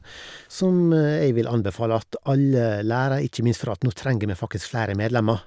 Som jeg vil anbefale at alle lærer, ikke minst for at nå trenger vi faktisk flere medlemmer.